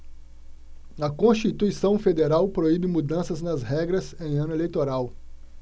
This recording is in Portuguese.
a constituição federal proíbe mudanças nas regras em ano eleitoral